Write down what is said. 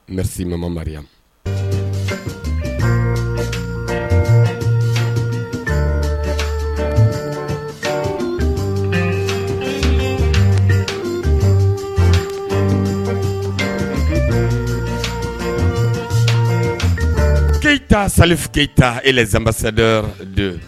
N se mama maria k keyitatan sa k keyitayita ezbasa dɔ don